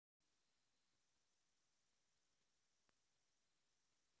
екатерина самозванцы